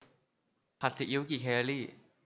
ผัดซีอิ๊วกี่แคลอรี่